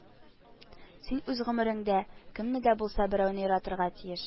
Син үз гомереңдә кемне дә булса берәүне яратырга тиеш